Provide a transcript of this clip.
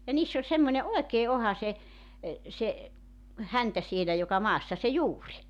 ja niissä oli semmoinen oikein ohut se se häntä siellä joka maassa se juuri